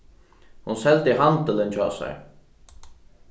hon seldi handilin hjá sær